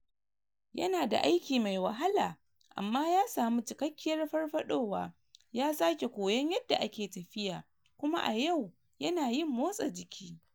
Yana da aiki mai wahala amma ya sami cikakkiyar farfaɗowa, ya sake koyon yadda ake tafiya kuma a yau yana yin motsa jiki!